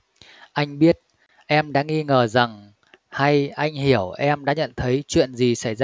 anh biết em đã nghi ngờ rằng hay anh hiểu em đã nhận thấy chuyện gì xảy ra